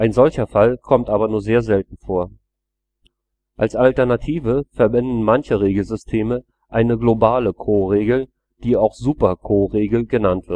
solcher Fall kommt aber nur selten vor. Als Alternative verwenden manche Regelsysteme eine globale Ko-Regel, auch Superko-Regel genannt